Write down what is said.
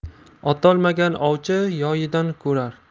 otolmagan ovchi yoyidan ko'rar